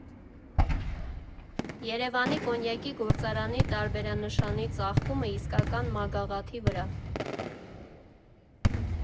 Երևանի կոնյակի գործարանի տարբերանշանի ծաղկումը իսկական մագաղաթի վրա։